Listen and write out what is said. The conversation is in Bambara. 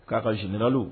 K'a ta général